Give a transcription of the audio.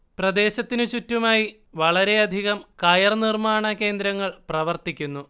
പ്രദേശത്തിനു ചുറ്റുമായി വളരെയധികം കയർ നിർമ്മാണകേന്ദ്രങ്ങൾ പ്രവർത്തിക്കുന്നു